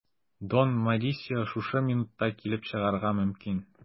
Дон Морисио шушы минутта килеп чыгарга мөмкин.